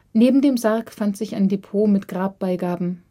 Neben dem Sarg fand sich ein Depot mit Grabbeigaben